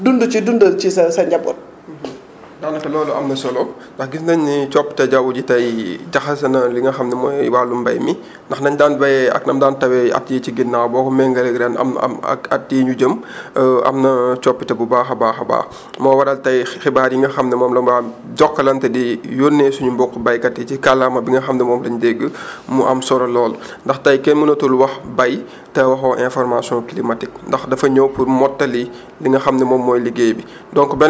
daanaka loolu am na solo ndax gis nañu ni coppite jaww ji tey jaxase na li nga xam ni mooy wàllum mbay mi ndax na ñu daan béyee ak na mu daan tawee at yii ci ginnaaw boo ko méngalee ak ren am am am at yii ñu jëm am na coppite bu baax a baax baax a baax moo waral tey xi xibaar yi nga xam ne moom la waa Jokalante di yónnee suñu mbokku béykat yi ci kallaama bi nga xam ne moom la ñu dégg mu am solo lool ndax tey kenn mënatul wax bay te waxoo information climatique ndax dafa ñëw pour mottali li nga xam ni moom mooy liggéey bi